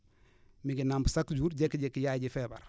mi ngi nàmp chaque jour jékki-jékki yaay ji feebar